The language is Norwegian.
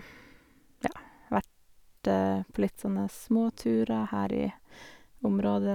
Ja, vært på litt sånne småturer her i området.